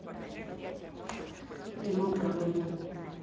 кино про войну